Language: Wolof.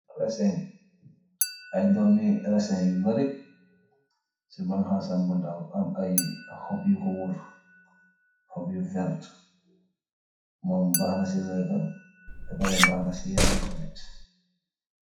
Raisin, aiiy dormi raisin yu bari ci banhass sam bu ndaw amm aiiy hohbb yukor wohrre, hohbb yu vert, mom bakhna ci leka, beh pareh bakhna ci yaram tamit.